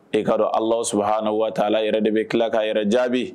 E kaa dɔn ala su haaana waa yɛrɛ de bɛ tila ka yɛrɛ jaabi